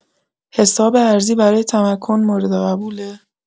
حساب ارزی برای تمکن مورد قبوله؟